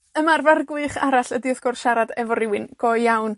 Ymarfer gwych arall ydi wrth gwrs siarad efo rywun go iawn.